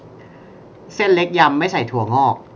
เส้นเล็กยำไม่ใส่ถั่วงอก